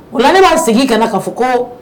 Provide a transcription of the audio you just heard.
Wula la ne b'a segin ka na'a fɔ ko